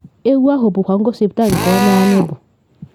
Egwu ahụ bụkwa ngosipụta nke onye anyị bụ.”